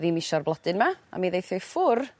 ddim isio'r blodyn 'ma a mi ddeith o i ffwr'